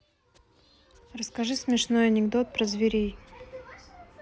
расскажи смешной анекдот про зверей